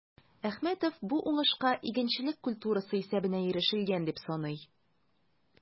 Әхмәтов бу уңышка игенчелек культурасы исәбенә ирешелгән дип саный.